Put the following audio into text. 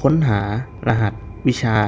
ค้นหารหัสวิชา